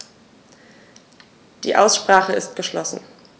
Die Aussprache ist geschlossen.